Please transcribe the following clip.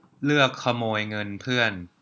เลือกขโมยเงินเพื่อน